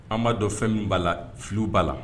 An b'a dɔn fɛn min b'a la fiw b'a la